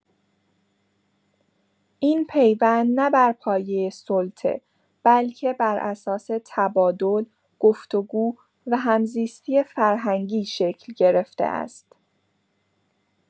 این پیوند، نه بر پایه سلطه، بلکه بر اساس تبادل، گفت‌وگو و هم‌زیستی فرهنگی شکل گرفته است.